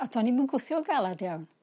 A 'to o'n i'm yn gwthio galad iawn.